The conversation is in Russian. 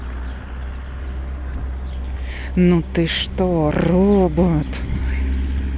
ну ты что робот